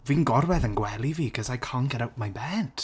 Fi'n gorwedd yn gwely fi cause I can't get out my bed.